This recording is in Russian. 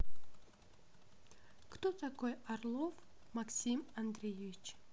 кто такой орлов максим андреевич